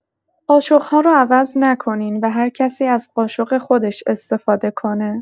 قاشق‌ها رو عوض نکنین و هرکسی از قاشق خودش استفاده کنه.